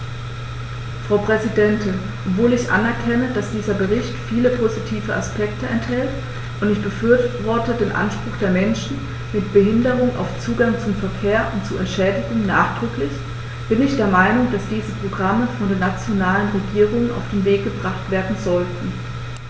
Frau Präsidentin, obwohl ich anerkenne, dass dieser Bericht viele positive Aspekte enthält - und ich befürworte den Anspruch der Menschen mit Behinderung auf Zugang zum Verkehr und zu Entschädigung nachdrücklich -, bin ich der Meinung, dass diese Programme von den nationalen Regierungen auf den Weg gebracht werden sollten.